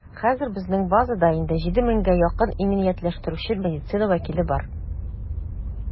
Хәзер безнең базада инде 7 меңгә якын иминиятләштерүче медицина вәкиле бар.